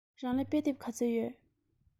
རང ལ དཔེ དེབ ག ཚོད ཡོད